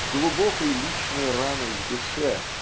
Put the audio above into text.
с глубокой личной раной в душе